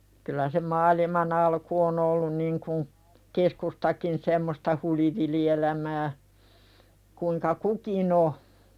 kyllä se maailman alku on ollut niin kuin keskustakin semmoista hulivilielämää kuinka kukin on